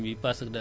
waaw